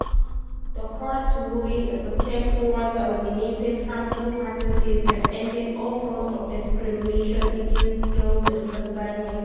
The court’s ruling is a step toward eliminating harmful practices and ending all forms of discrimination against girls in Tanzania.